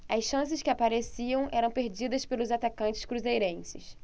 as chances que apareciam eram perdidas pelos atacantes cruzeirenses